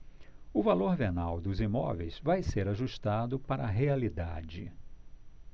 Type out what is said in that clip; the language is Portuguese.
o valor venal dos imóveis vai ser ajustado para a realidade